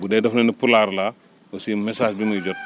bu dee daf la ni pulaar laa aussi message bi muy jot